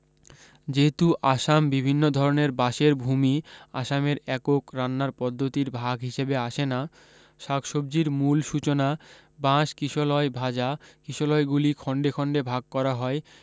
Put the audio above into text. যেহেতু আসাম বিভিন্ন ধরণের বাশের ভুমি আশামের একক রান্নার পদ্ধতির ভাগ হিসাবে আসে না শাকসবজির মূল সূচনা বাশ কিশলয় ভাজা কিশলয়গুলি খন্ডে খন্ডে ভাগ করা হয়